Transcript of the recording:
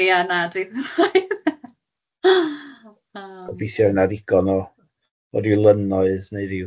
Ie na dwi'm yn wneud yn dda... gobeithia fydd na ddigon o ryw lynnoedd neu ryw